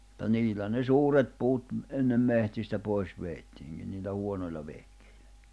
mutta niillä ne suuret puut ennen metsistä pois vedettiinkin niillä huonoilla vehkeillä